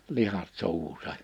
lihat suuhunsa